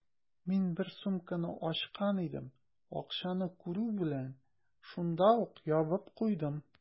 Мин бер сумканы ачкан идем, акчаны күрү белән, шунда ук ябып куйдым.